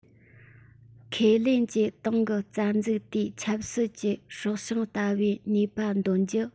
ཁེ ལས ཀྱི ཏང གི རྩ འཛུགས དེའི ཆབ སྲིད ཀྱི སྲོག ཤིང ལྟ བུའི ནུས པ འདོན རྒྱུ